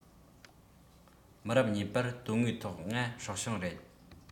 མི རབས གཉིས པར དོན དངོས ཐོག ང སྲོག ཤིང རེད